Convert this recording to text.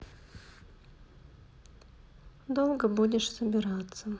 долго будешь собираться